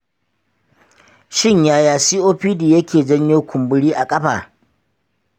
shin yaya copd yake janyo kumburi a kafa?